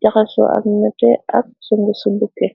jaxeso ak nete ak su ngu subdukke.